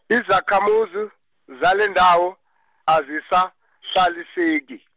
izakhamuzi, zalendawo , azisa- -sahlaliseki.